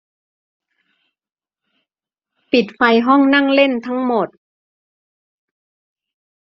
ปิดไฟห้องนั่งเล่นทั้งหมด